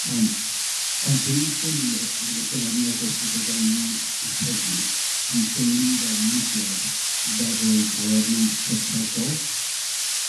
Yym ond dwi isio ni a dyma dyma'r neges fysa gen i at heddiw dwi isio ni fel mudiad meddwl yn llawer mwy strategol.